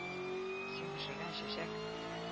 Син пешергән чәчәк